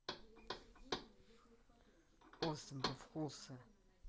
особов хулсы